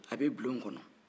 a bɛ bulon kɔnɔ